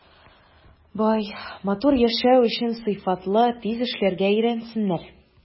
Бай, матур яшәү өчен сыйфатлы, тиз эшләргә өйрәнсеннәр.